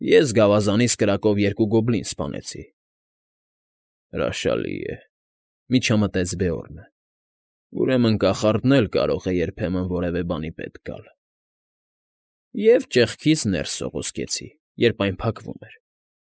Ես գավազանիս կրակով երկու գոբլին սպանեցի… ֊ Հրաշալի է,֊ միջամտեց Բեորնը։֊ Ուրեմն կախարդն էլ կարող է երբեմն որևէ բանի պետք գալ» ֊… և ճեղքից ներս սողոսկեցի, երբ այն փակվում էր։